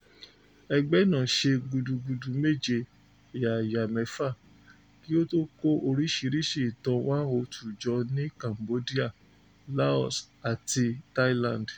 Ẹgbẹ́ náà ṣe gudugudu méje yàyà mẹ́fà kí ó tó kó oríṣiríṣi ìtàn 102 jọ ní Cambodia, Laos, àti Thailand.